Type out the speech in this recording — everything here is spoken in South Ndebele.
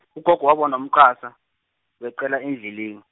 ugogo wabona umqasa, weqela ngendleleni.